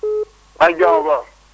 yaa ngi si jàmm bu baax